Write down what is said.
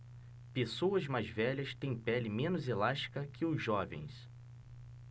pessoas mais velhas têm pele menos elástica que os jovens